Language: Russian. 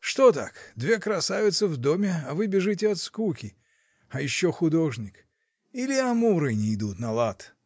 Что так: две красавицы в доме, а вы бежите от скуки: а еще художник! Или амуры нейдут на лад?